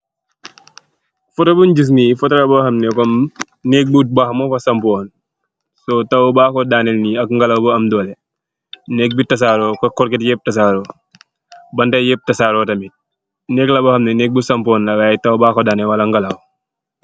Photo bun giss nee photo la buhamne kom neek bu bakh mufa sampuwon so taaw baku danel nee ak galaww bu am dolleh neek be tasarow ba kurget ye yep tasarow bantaye yep tasarow tamin neek la bu hamne neek bu sampuwon la y taaw baku danee wala galaww.